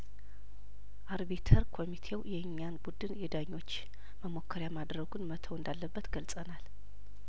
አርቢትር ኮሚቴው የእኛን ቡድን የዳኞች መሞከሪያ ማድረጉን መተው እንዳለበት ገልጸናል